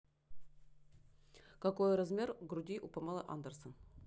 какой размер груди у памелы андерсон